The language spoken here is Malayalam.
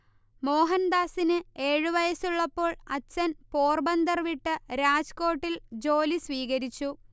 മോഹൻദാസിന് ഏഴു വയസ്സുള്ളപ്പോൾ അച്ഛൻ പോർബന്ദർ വിട്ട് രാജ്കോട്ടിൽ ജോലി സ്വീകരിച്ചു